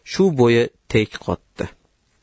shu bo'ii tek qoldi